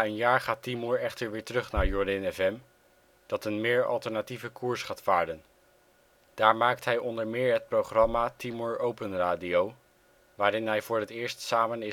jaar gaat Timur echter weer terug naar Yorin FM, dat een meer alternatieve koers gaat varen. Daar maakt hij onder meer het programma ' Timur Open Radio ', waarin hij voor het eerst samen